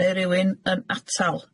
Neu rywun yn atal?